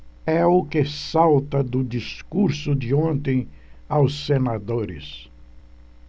é o que salta do discurso de ontem aos senadores